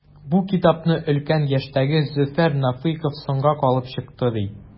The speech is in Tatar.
Бу китапны өлкән яшьтәге Зөфәр Нәфыйков “соңга калып” чыкты, ди.